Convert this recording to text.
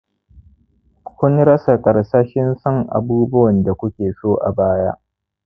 kun rasa karsashin son abubuwan da kuke so a baya